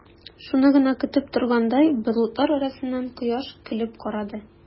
Шуны гына көтеп торгандай, болытлар арасыннан кояш көлеп карады.